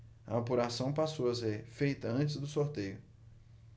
a apuração passou a ser feita antes do sorteio